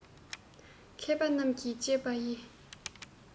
མཁས པ རྣམས ཀྱིས དཔྱད པ ཡི